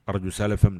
Araj ale fɛn